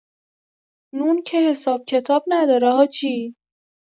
نون که حساب کتاب نداره حاجی.